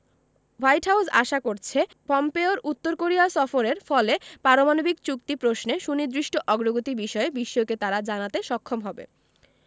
white House আশা করছে পম্পেওর উত্তর কোরিয়া সফরের ফলে পারমাণবিক চুক্তি প্রশ্নে সুনির্দিষ্ট অগ্রগতি বিষয়ে বিশ্বকে তারা জানাতে সক্ষম হবে